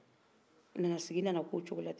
sigin nana k'o cokoya la ten